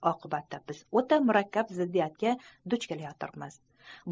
oqibatda biz o'ta murakkab ziddiyatga duch kelayotirmiz